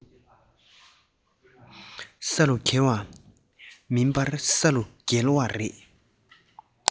ས རུ འགྱེལ བ མིན པར ས རུ བསྒྱེལ བ རེད